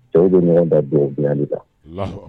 Cɛw bɛ ɲɔgɔn da don bini ta